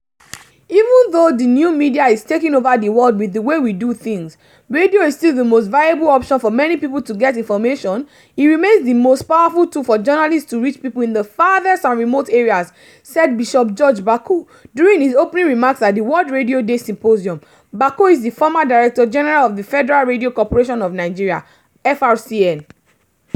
Even though the new media is taking over the world with the way we do things, radio is still the most viable option for many people to get information, it remains the most powerful tool for journalists to reach people in the farthest and remote areas... said Bishop George Bako, during his opening remarks at the World Radio Day Symposium. Bako is the former Director-General of the Federal Radio Corporation of Nigeria (FRCN).